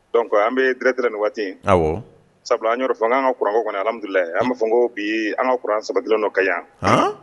Don an bɛ gtira ni waati sabula yɔrɔ fanga an ka kuranko kɔnɔdulila an' fɔ ko bi an ka kuran sabati dɔ ka yan